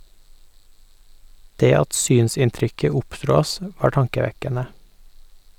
Det at synsinntrykket "oppdro" oss, var tankevekkende.